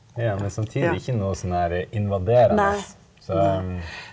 ja men samtidig ikke noe sånn der invaderende så .